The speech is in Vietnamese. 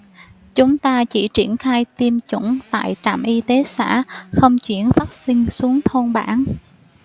chúng ta chỉ triển khai tiêm chủng tại trạm y tế xã không chuyển vắc xin xuống thôn bản